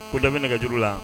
Ko dɔ be nɛgɛjuru la